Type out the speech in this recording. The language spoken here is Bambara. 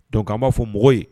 :Donc _an b'a fɔ mɔgɔw ye